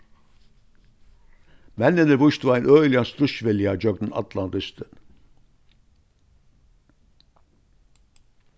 menninir vístu ein øgiligan stríðsvilja gjøgnum allan dystin